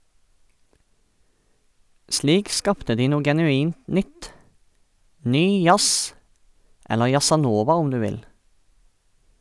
Slik skapte de noe genuint nytt - ny jazz, eller jazzanova, om du vil.